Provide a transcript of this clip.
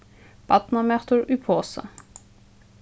barnamatur í posa